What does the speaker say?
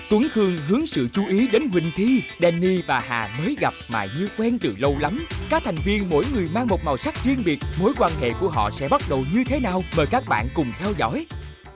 tuấn khương hướng sự chú ý đến quỳnh thi đen ni và hà mới gặp mà như quen từ lâu lắm các thành viên mỗi người mang một màu sắc riêng biệt mối quan hệ của họ sẽ bắt đầu như thế nào mời các bạn cùng theo dõi